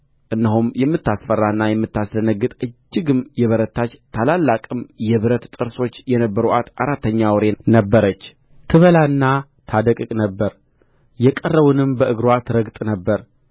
እነሆም የምታስፈራና የምታስደነግጥ እጅግም የበረታች ታላላቅም የብረት ጥርሶች የነበሩአት አራተኛ አውሬ ነበረች ትበላና ታደቅቅ ነበር የቀረውንም በእግርዋ ትረግጥ ነበር